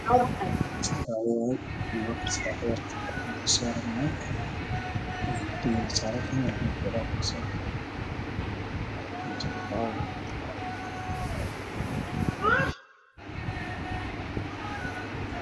Meeshan hayaa boqortoomin badan oo la haysiinayo maxaan ku qoran jiko kaac waxaana ku sawiran naag madaxa ugu duubay masar